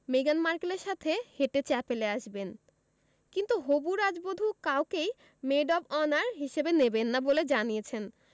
মেগান মার্কেলের সাথে হেঁটে চ্যাপেলে আসবেন কিন্তু হবু রাজবধূ কাউকেই মেড অব অনার হিসেবে নেবেন না বলে জানিয়েছেন